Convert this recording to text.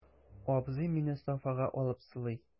Абзый мине софага алып сылый.